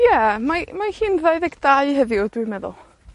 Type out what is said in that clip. Ie, mae, mae hi'n ddau ddeg dau heddiw, dwi'n meddwl.